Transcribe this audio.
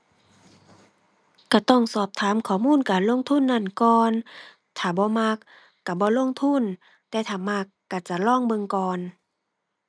ก็ต้องสอบถามข้อมูลการลงทุนนั้นก่อน ถ้าบ่มักก็บ่ลงทุน แต่ถ้ามักก็จะลองเบิ่งก่อน